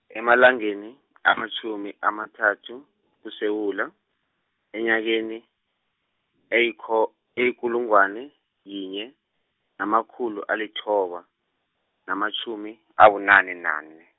emalangeni, amatjhuni amathathu, kuSewula, enyakeni, eyiko- eyikulungwana, yinye, namakhulu alithoba, namatjhumi, abunane nane.